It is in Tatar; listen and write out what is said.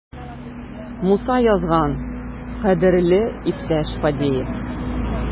Муса язган: "Кадерле иптәш Фадеев!"